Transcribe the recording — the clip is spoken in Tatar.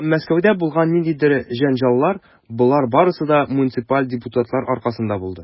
Һәм Мәскәүдә булган ниндидер җәнҗаллар, - болар барысы да муниципаль депутатлар аркасында булды.